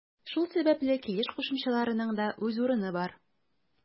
Шул сәбәпле килеш кушымчаларының да үз урыны бар.